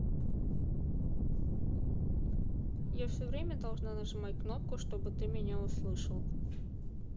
я все время должна нажимать кнопку чтобы ты меня услышал